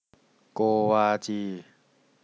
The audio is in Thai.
โกวาจี